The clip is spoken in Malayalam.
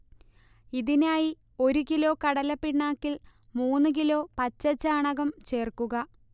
ഇതിനായി ഒരു കിലോ കടലപ്പിണ്ണാക്കിൽ മൂന്ന് കിലോ പച്ചച്ചാണകം ചേർക്കുക